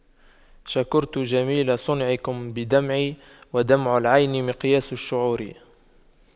شكرت جميل صنعكم بدمعي ودمع العين مقياس الشعور